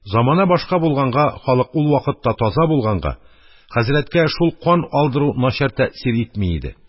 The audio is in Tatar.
Замана башка булганга, халык ул вакыт таза булганга, хәзрәткә шул кан алдыру начар тәэсир итми иде.